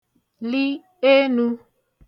lị enū